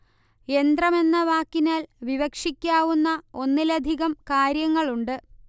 യന്ത്രമെന്ന വാക്കിനാൽ വിവക്ഷിക്കാവുന്ന ഒന്നിലധികം കാര്യങ്ങളുണ്ട്